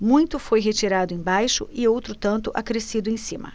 muito foi retirado embaixo e outro tanto acrescido em cima